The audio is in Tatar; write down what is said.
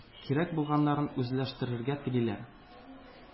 Кирәк булганнарын үзләштерергә телиләр.